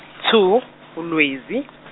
two uLwezi.